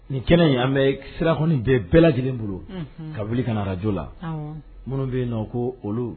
Nin kɛnɛ in an bɛ sirak bɛɛ bɛɛ lajɛlen bolo ka wuli kana araj la minnu bɛ yen nɔ ko olu